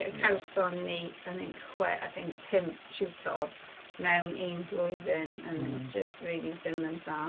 Cawsom ni I think chwe- I think pump tiwtor mewn un blwyddyn, and it was just really ddim yn dda.